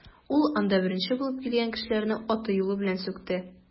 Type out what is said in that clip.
Ул анда беренче булып килгән кешеләрне аты-юлы белән сүкте.